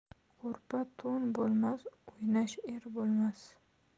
ko'rpa to'n bo'lmas o'ynash er bo'lmas